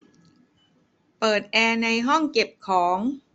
เปิดแอร์ในห้องเก็บของ